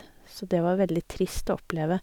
Så det var veldig trist å oppleve.